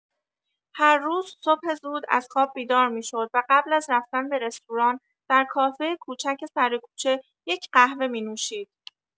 هر روز صبح زود از خواب بیدار می‌شد و قبل از رفتن به رستوران، در کافه کوچک سر کوچه یک قهوه می‌نوشید.